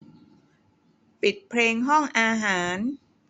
ปิดเพลงห้องอาหาร